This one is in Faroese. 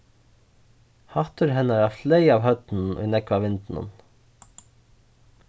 hattur hennara fleyg av høvdinum í nógva vindinum